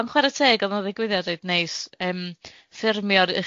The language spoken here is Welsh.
On' chwara teg o'dd o'n ddigwyddiad reit neis yym ffermio'r